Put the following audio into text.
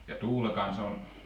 ja tuulen kanssa on